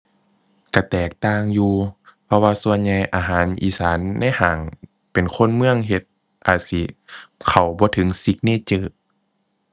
ก็แตกต่างอยู่ เพราะว่าส่วนใหญ่อาหารอีสานในห้างเป็นคนเมืองเฮ็ด อาจสิเข้าบ่ถึง signature